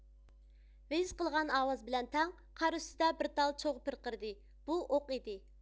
ۋىژ قىلغان ئاۋاز بىلەن تەڭ قار ئۈستىدە بىر تال چوغ پىرقىرىدى بۇ ئوق ئىدى